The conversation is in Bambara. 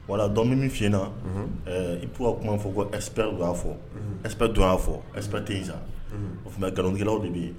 Wa dɔn min min fiɲɛna i' tun' fɔ ko ɛsp y'a fɔ ɛp don'a fɔ ɛsp tɛ yen sa o tun bɛ nkalonkilaww de bɛ yen